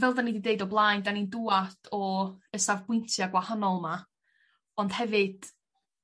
fel 'dan ni 'di deud o blaen 'dan ni'n dŵad o y safbwyntia' gwahanol 'ma ond hefyd